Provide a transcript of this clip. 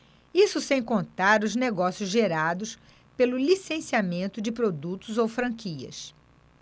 isso sem contar os negócios gerados pelo licenciamento de produtos ou franquias